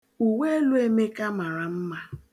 Uweelu Emeka mara mma